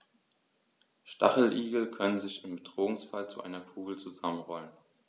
Stacheligel können sich im Bedrohungsfall zu einer Kugel zusammenrollen.